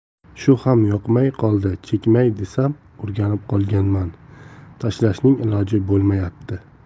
shu ham yoqmay qoldi chekmay desam o'rganib qolganman tashlashning iloji bo'lmayapti